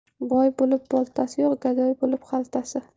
boy bo'lib boltasi yo'q gadoy bo'lib xaltasi